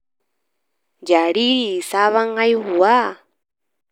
Jariri sabon haihuwa?